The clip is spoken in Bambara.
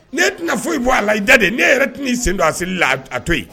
Ne tɛna foyi i bɔ a la i da de ne yɛrɛ t sen don a seli la a to yen